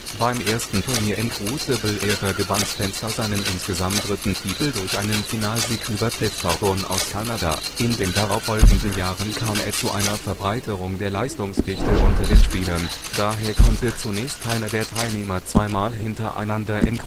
Beim ersten Turnier im Crucible Theatre gewann Spencer seinen insgesamt dritten Titel durch einen Finalsieg über Cliff Thorburn aus Kanada. In den darauffolgenden Jahren kam es zu einer Verbreiterung der Leistungsdichte unter den Spielern, daher konnte zunächst keiner der Teilnehmer zweimal hintereinander im